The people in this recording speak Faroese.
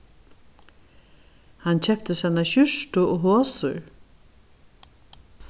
hann keypti sær eina skjúrtu og hosur